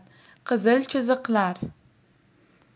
qizil chiziqlar